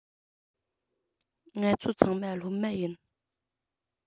ང ཚོ ཚང མ སློབ མ ཡིན